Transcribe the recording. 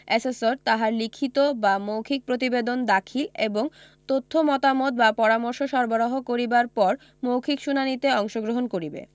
assessor তাহার লিখিত বা মৌখিক প্রতিবেদন দাখিল এবং তথ্য মতামত বা পরামর্শ সরবরাহ করিবার পর মৌখিক শুনানীতে অংশগ্রহণ করিবে